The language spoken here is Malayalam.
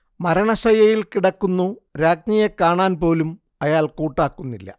മരണശയ്യയിൽ കിടക്കുന്നു രാജ്ഞിയെ കാണാൻ പോലും അയാൾ കൂട്ടാക്കുന്നില്ല